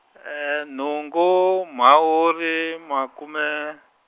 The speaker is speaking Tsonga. nhungu Mhawuri makhume.